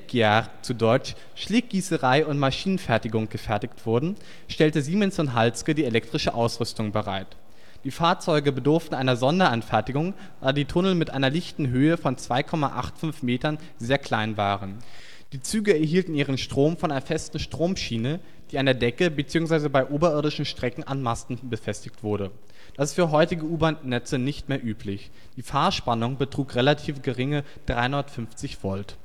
zu deutsch: Schlick Gießerei und Maschinenfertigung) gefertigt wurden, stellte Siemens & Halske die elektrische Ausrüstung bereit. Die Fahrzeuge bedurften einer Sonderanfertigung, da die Tunnel mit einer lichten Höhe von 2,85 Metern sehr klein waren. Die Züge erhielten ihren Strom von einer festen Stromschiene, die an der Decke beziehungsweise bei oberirdischen Strecken an Masten befestigt wurde. Das ist für heutige U-Bahnnetze nicht mehr üblich. Die Fahrspannung betrug relativ geringe 350 Volt